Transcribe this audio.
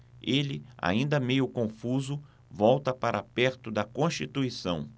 ele ainda meio confuso volta para perto de constituição